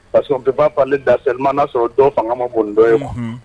Parce qu'on ne peut pas parler d'harcellement n'a ya sɔrɔ dɔ fanga ma bon ni dɔ ye quoi